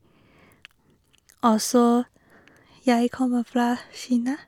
Og så jeg kommer fra Kina.